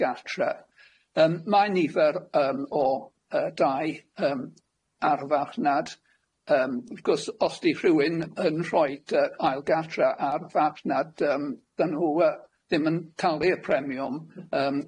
gartre. Yym mae nifer yym o yy dau yym ar y fachnad yym wrth gwrs os di rhywun yn rhoid yy ail gartre ar fachnad yym ddyn nhw yy ddim yn talu'r premiwm yym